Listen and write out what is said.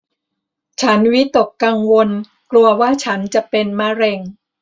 ฉันวิตกกังวลกลัวว่าฉันจะเป็นมะเร็ง